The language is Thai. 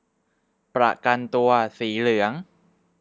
ประกันตัวสีเหลือง